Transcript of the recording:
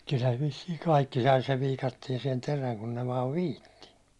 kyllähän ne vissiin kaikki sai sen viikatteeseen terän kun ne vain viitsi